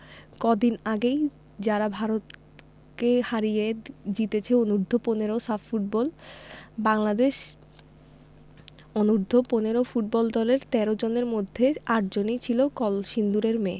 কদিন আগেই যারা ভারতকে হারিয়ে জিতেছে অনূর্ধ্ব ১৫ সাফ ফুটবল বাংলাদেশ অনূর্ধ্ব ১৫ ফুটবল দলের ১৩ জনের মধ্যে ৮ জনই ছিল কলসিন্দুরের মেয়ে